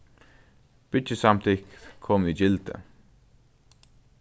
byggisamtykt komin í gildi